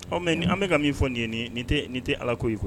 Ɔ mais nin, an bɛ ka min fɔ nin ye, nin nin tɛ Ala ko ye koyi.